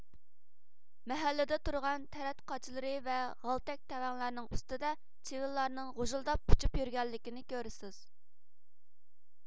مەھەللىدە تۇرغان تەرەت قاچىلىرى ۋە غالتەك تەۋەڭلەرنىڭ ئۈستىدە چىۋىنلارنىڭ غۇژۇلداپ ئۇچۇپ يۈرگەنلىكىنى كۆرىسىز